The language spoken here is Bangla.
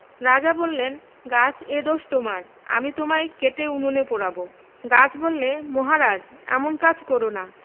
রাজা বললেন গাছ এ দোষ তোমার আমি তোমায় কেটে উনুনে পোড়াব' গাছ বললে মহারাজ এমন কাজ কর না